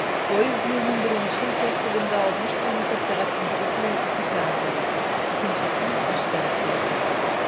Поезд юлның беренче участогында 60 км/сәг тизлек белән 2 сәг. бара, икенчесен 3 сәгатьтә үтә.